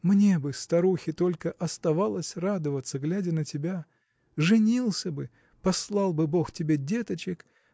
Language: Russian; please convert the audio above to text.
Мне бы, старухе, только оставалось радоваться, глядя на тебя. Женился бы послал бы бог тебе деточек